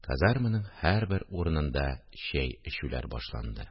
Казарманың һәрбер урынында чәй эчүләр башланды